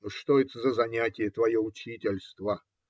Ну, что это за занятие твое - учительство?